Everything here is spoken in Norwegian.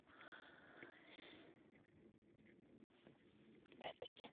Vet ikke.